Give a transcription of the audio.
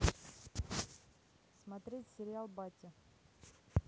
смотреть сериал батя